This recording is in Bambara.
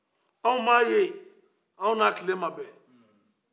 anw ma a ye an ni tile ma bɛ